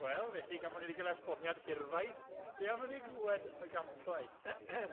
Wel felly gan bo' ni 'di ga'l esboniad hirfaeth be' am i ni glwed y gampwaith?